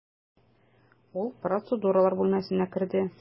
Ул процедуралар бүлмәсенә керде.